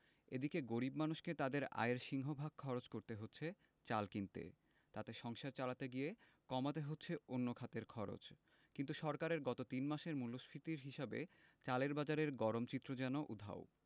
এদিকে গরিব মানুষকে তাঁদের আয়ের সিংহভাগ খরচ করতে হচ্ছে চাল কিনতে তাতে সংসার চালাতে গিয়ে কমাতে হচ্ছে অন্য খাতের খরচ কিন্তু সরকারের গত তিন মাসের মূল্যস্ফীতির হিসাবে চালের বাজারের গরম চিত্র যেন উধাও